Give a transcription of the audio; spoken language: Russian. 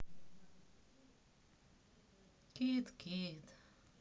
кит кит